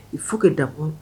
I fo ka dabɔ